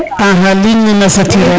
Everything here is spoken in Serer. axa ligne ne na saturer a